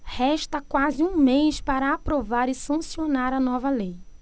resta quase um mês para aprovar e sancionar a nova lei